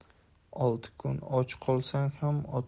olti kun och qolsang